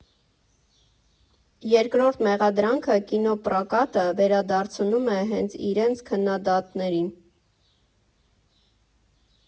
Երկրորդ մեղադրանքը կինոպրոկատը վերադարձնում է հենց իրենց՝ քննադատներին։